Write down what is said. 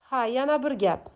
ha yana bir gap